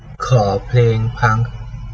ขอเพลงพังค์